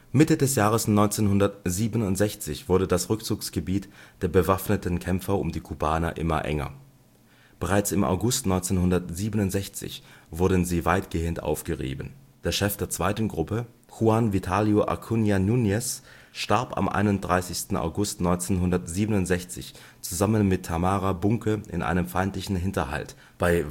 Mitte des Jahres 1967 wurde das Rückzugsgebiet der bewaffneten Kämpfer um die Kubaner immer enger. Bereits im August 1967 wurden sie weitgehend aufgerieben. Der Chef der Zweiten Gruppe, Juan Vitalio Acuña Núñez, starb am 31. August 1967 zusammen mit Tamara Bunke in einem feindlichen Hinterhalt bei